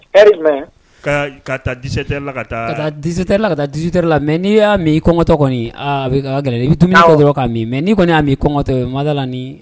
Heure jumɛn, k'a ta 17 heures la ka taa 18 heures la mais n'i y'a min i kɔngɔtɔ kɔni a a bɛ a ka gɛɛn i bɛ dumuni dɔrɔn k'a mais n'i kɔni y'a min i kɔngɔtɔ n man d'a la ni